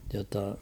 jotta